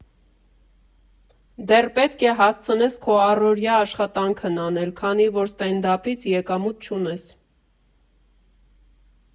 Դեռ պետք է հասցնես քո առօրյա աշխատանքն անել, քանի որ սթենդափից եկամուտ չունես։